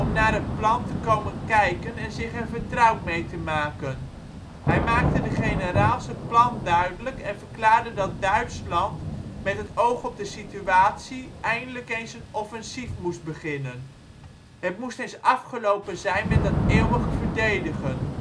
naar het plan te komen kijken en zich er vertrouwd mee te maken. Hij maakte de generaals het plan duidelijk en verklaarde dat Duitsland met het oog op de situatie eindelijk eens een offensief moest beginnen. Het moest eens afgelopen zijn met dat ' eeuwige verdedigen